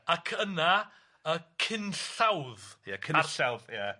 Ac yna y cynllawdd... Ia... ...a... ...cynllawdd ia.